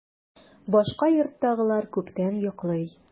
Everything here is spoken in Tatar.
Башка йорттагылар күптән йоклый.